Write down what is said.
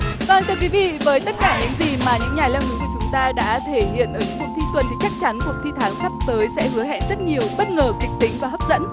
vâng thưa quý vị với tất cả những gì mà những nhà leo núi của chúng ta đã thể hiện ở những cuộc thi tuần thì chắc chắn cuộc thi tháng sắp tới sẽ hứa hẹn rất nhiều bất ngờ kịch tính và hấp dẫn